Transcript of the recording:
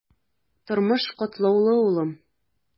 Тормыш катлаулы, улым.